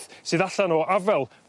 sydd allan o afel